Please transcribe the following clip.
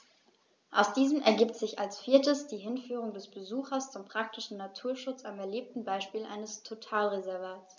Aus diesen ergibt sich als viertes die Hinführung des Besuchers zum praktischen Naturschutz am erlebten Beispiel eines Totalreservats.